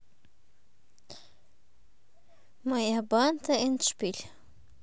моя банда эндшпиль